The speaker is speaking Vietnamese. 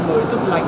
mới